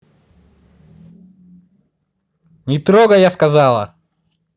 не трогай я сказала